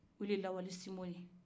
o de ye lawalesinbu ye